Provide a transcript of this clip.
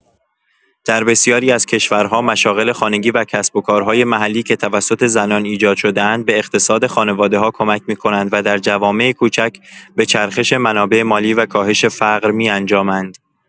در بسیاری از کشورها، مشاغل خانگی و کسب‌وکارهای محلی که توسط زنان ایجاد شده‌اند، به اقتصاد خانواده‌ها کمک می‌کنند و در جوامع کوچک به چرخش منابع مالی و کاهش فقر می‌انجامند.